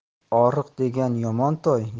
oriq degan yomon toy